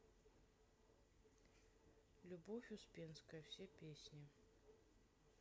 любовь успенская все песни